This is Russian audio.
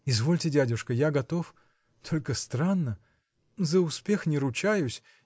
– Извольте, дядюшка, я готов; только странно. За успех не ручаюсь.